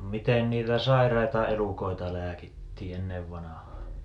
miten niitä sairaita elukoita lääkittiin ennen vanhaan